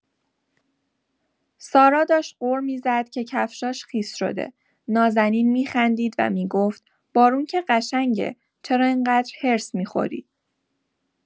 سارا داشت غر می‌زد که کفشاش خیس شده، نازنین می‌خندید و می‌گفت «بارون که قشنگه، چرا این‌قدر حرص می‌خوری؟»